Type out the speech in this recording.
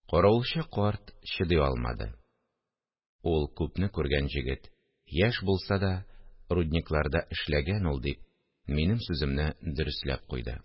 Каравылчы карт чыдый алмады: – Ул – күпне күргән җегет, яшь булса да, рудникларда эшләгән ул, – дип, минем сүземне дөресләп куйды